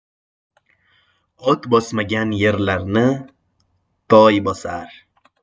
ot bosmagan yerlarni toy bosar